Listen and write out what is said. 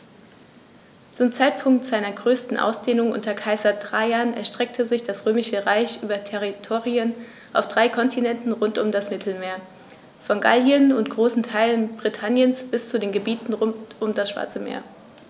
Zum Zeitpunkt seiner größten Ausdehnung unter Kaiser Trajan erstreckte sich das Römische Reich über Territorien auf drei Kontinenten rund um das Mittelmeer: Von Gallien und großen Teilen Britanniens bis zu den Gebieten rund um das Schwarze Meer.